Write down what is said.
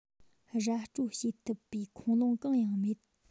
ར སྤྲོད བྱེད ཐུབ པའི ཁུངས ལུང གང ཡང མེད